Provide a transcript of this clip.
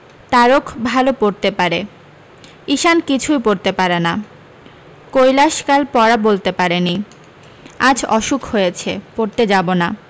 তারক ভাল পড়তে পারে ঈশান কিছুই পড়তে পারে না কৈলাস কাল পড়া বলতে পারে নি আজ অসুখ হয়েছে পড়তে যাবো না